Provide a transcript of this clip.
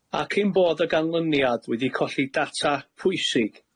ac ein bod o ganlyniad wedi colli data pwysig.